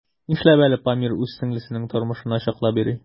Нишләп әле Памир үз сеңлесенең тормышын ачыклап йөри?